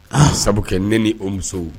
Aa sabu kɛ ne ni o musow